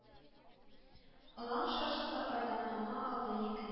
Олаң шашты айдан ана алды екен